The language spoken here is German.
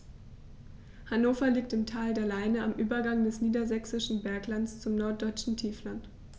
Hannover liegt im Tal der Leine am Übergang des Niedersächsischen Berglands zum Norddeutschen Tiefland.